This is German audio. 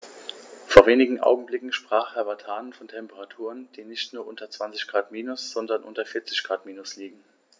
Vor wenigen Augenblicken sprach Herr Vatanen von Temperaturen, die nicht nur unter 20 Grad minus, sondern unter 40 Grad minus liegen.